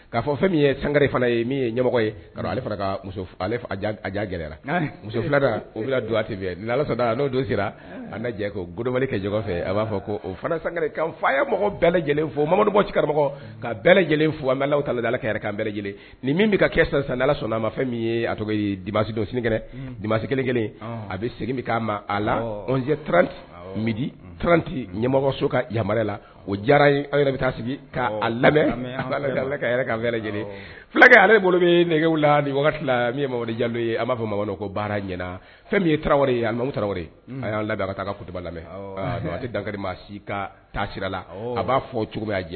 K'a fɔ fɛn ye san fana ye yemɔgɔ ye muso filao a fɛ a b'a fɔ o fana bɛɛ lajɛlen karamɔgɔ ka lajɛlen lajɛlen sɔnna min kelen a bɛ segin'a ma a lati midi tranti ɲɛmɔgɔ so ka yama la o diyara ale yɛrɛ bɛ taa sigi k'a lamɛn lajɛlen fulakɛ ale bolo bɛge la ni ja ye a b'a fɔ makan ko baara ɲana fɛn ye tarawele tarawele a y'a la a taa koba lamɛn tɛ dankari ma si ka taa sira la a b'a fɔ cogoya